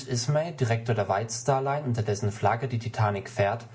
Star Line, unter dessen Flagge die Titanic fährt